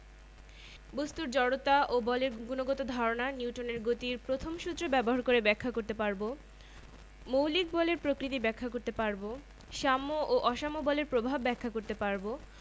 গতি জড়তার কারণে আমরা মানুষজনকে চলন্ত বাস ট্রেন থেকে নামতে গিয়ে আছাড় খেতে দেখি চলন্ত বাস ট্রেনের মানুষটির পুরো শরীরটাই গতিশীল